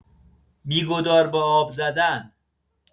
بی‌گدار به آب زدن